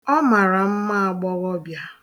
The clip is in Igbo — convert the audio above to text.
Ọ mara mma agbọghọbịa.